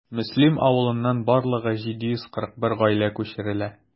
Мөслим авылыннан барлыгы 741 гаилә күчерелә.